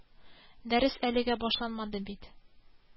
Җыр аның язмышы иде.